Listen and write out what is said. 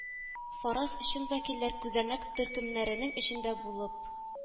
Фараз - чын вәкилләр күзәнәк төркемнәренең эчендә булып...